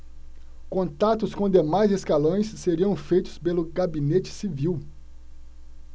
contatos com demais escalões seriam feitos pelo gabinete civil